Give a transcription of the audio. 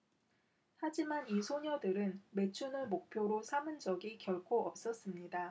하지만 이 소녀들은 매춘을 목표로 삼은 적이 결코 없었습니다